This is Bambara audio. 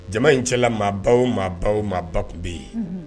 Jama in cɛla maa ba o maa ba o maa ba tun be ye unhun